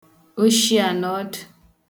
oshi ànọdụ̀